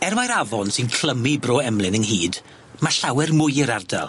Er mae'r afon sy'n clymu Bro Emlyn ynghyd, ma' llawer mwy i'r ardal.